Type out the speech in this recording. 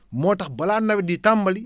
moo tax balaa nawet di tàmbali